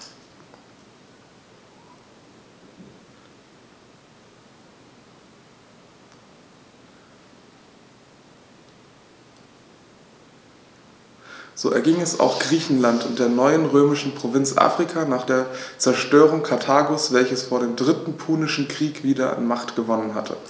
So erging es auch Griechenland und der neuen römischen Provinz Afrika nach der Zerstörung Karthagos, welches vor dem Dritten Punischen Krieg wieder an Macht gewonnen hatte.